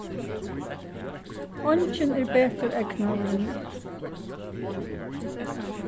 eingin er betur egnaður enn eg